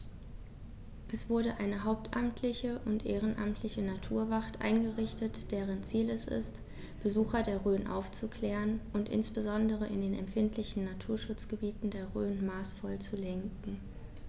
Es wurde eine hauptamtliche und ehrenamtliche Naturwacht eingerichtet, deren Ziel es ist, Besucher der Rhön aufzuklären und insbesondere in den empfindlichen Naturschutzgebieten der Rhön maßvoll zu lenken.